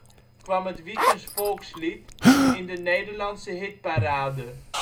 kwam het Wiekens Volkslied in de Nederlandse hitparade